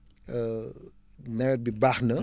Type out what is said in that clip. nawet bi baax na